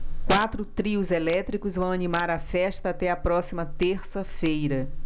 quatro trios elétricos vão animar a festa até a próxima terça-feira